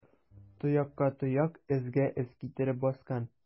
Тоякка тояк, эзгә эз китереп баскан.